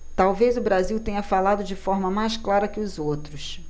talvez o brasil tenha falado de forma mais clara que os outros